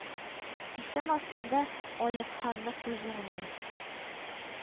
Исем астында аекханны күз уңында